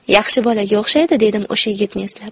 yaxshi bolaga o'xshaydi dedim o'sha yigitni eslab